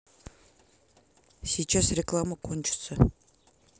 сейчас реклама кончится